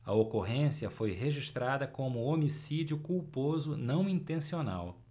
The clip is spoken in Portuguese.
a ocorrência foi registrada como homicídio culposo não intencional